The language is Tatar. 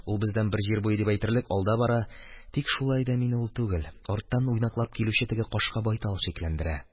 Ул бездән бер җир буе дип әйтерлек алда бара, тик шулай да мине ул түгел, арттан уйнаклап килүче теге кашка байтал шикләндерә.